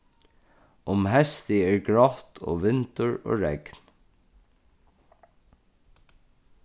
um heystið er grátt og vindur og regn